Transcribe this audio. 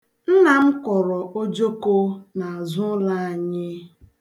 Nna m kọrọ ojoko n'azụ ụlọ anyị.